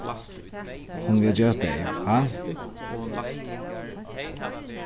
hon er við at gerast deyv ha